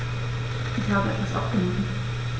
Ich habe etwas abgenommen.